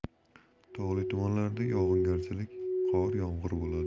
tog'li tumanlarda yog'ingarchilik qor yomg'ir bo'ladi